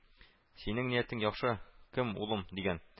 — синең ниятең яхшы, кем, улым,— дигән